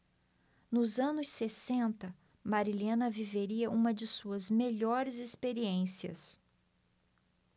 nos anos sessenta marilena viveria uma de suas melhores experiências